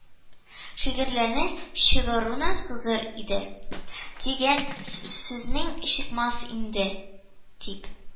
Шигырьләрне чыгаруны сузар инде», – дигән сүзеңне «чыкмас инде» дип